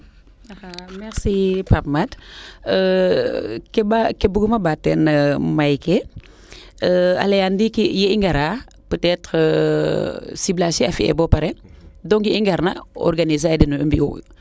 merci Pape Made ke buguuma ɓaat teen may ke a leyaan ndiiki ye i ngara peut etre siblage fee a fiye bo pare donc yee i ngarna organiser a den i mbiyu